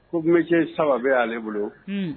Ko metier 3 bɛ ale bolo, un.